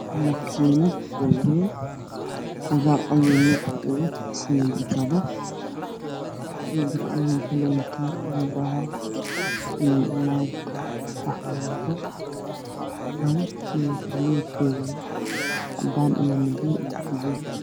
Waa makiinad midabkeedu yahay madow